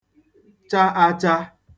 cha acha